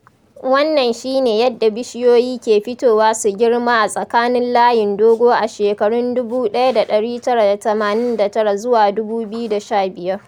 Wannan shi ne yadda bishiyoyi ke fitowa su girma a tsakanin layin dogo a shekarun 1999 zuwa 2015…